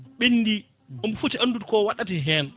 ɓendi omo footi andude ko waɗata hen